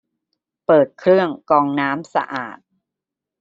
เปิดเครื่องกรองน้ำสะอาด